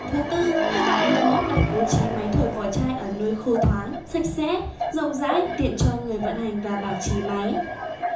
thứ tư các bạn nên lắp đặt bố trí máy thổi vỏ chai ở nơi khô thoáng sạch sẽ rộng rãi tiện cho người vận hành và bảo trì máy